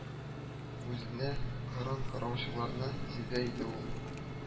Үзенә кырын караучыларны сизә иде ул